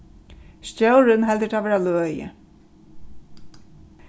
stjórin heldur tað vera løgið